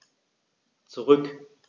Zurück.